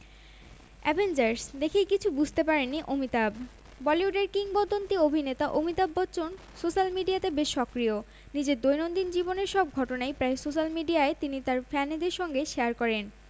শুরু হয় মান্টো ছবির প্রদর্শনী মান্টো নন্দিতা দাস পরিচালিত দ্বিতীয় ছবি এটি উর্দু সাহিত্যের অন্যতম কান্ডারি সাদাত হাসান মান্টোর জীবন নিয়ে নির্মিত কানে যোগ দিয়েছেন এ ছবির মূল অভিনেতা নওয়াজুদ্দিন